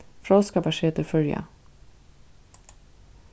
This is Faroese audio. fróðskaparsetur føroya